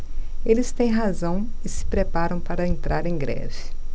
eles têm razão e se preparam para entrar em greve